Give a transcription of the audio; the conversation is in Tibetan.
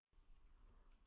རྒྱུགས རྒྱུགས རྒྱུགས